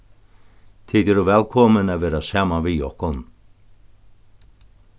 tit eru vælkomin at vera saman við okkum